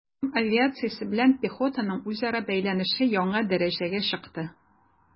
Һөҗүм авиациясе белән пехотаның үзара бәйләнеше яңа дәрәҗәгә чыкты.